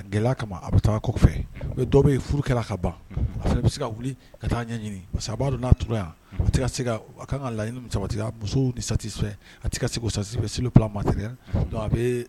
Gɛlɛya kam a bɛ taa kɔfɛ, unhun, dɔ bɛ yen, ni furu kɛla ka ban, unhun, a fana bɛ se ka wili ka ta'a ɲɛ ɲini parce que a b'a don n'a tora yan a tɛ ka se ka, a ka kan ka laɲini min saba ka musow ninnu satisfait a tɛ ka se k'o satisfait sur le plan materiel , donc a bɛ